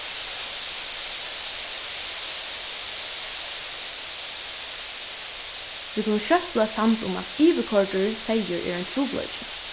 vit kunnu skjótt blíva samd um at yvirkoyrdur seyður er ein trupulleiki